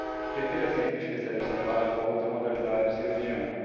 prefira sempre um especialista plástico a outra modalidade de cirurgião